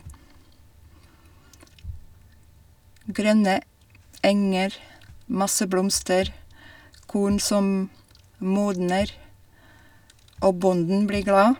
Grønne enger, masse blomster, korn som modner, og bonden blir glad.